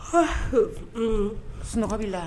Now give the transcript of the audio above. H sunɔgɔ bɛ la